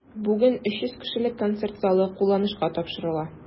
Бүген 300 кешелек концерт залы кулланылышка тапшырыла.